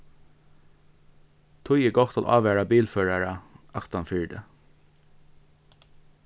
tí er gott at ávara bilførarar aftan fyri teg